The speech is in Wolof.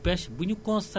ñu constater ko